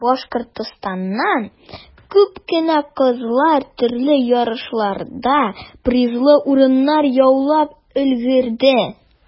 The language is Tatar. Башкортстаннан күп кенә кызлар төрле ярышларда призлы урыннар яулап өлгерде.